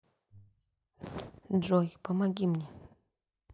джой помоги мне